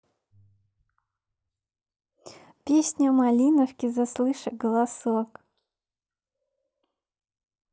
песня малиновки заслыша голосок